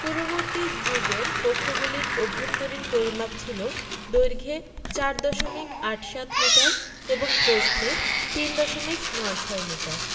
পূর্ববর্তী যুগের কক্ষগুলির অভ্যন্তরীণ পরিমাপ ছিল দৈর্ঘ্যে ৪ দশমিক আট সাত মিটার এবং প্রস্থে ৩ দশমিক নয় ছয় মিটার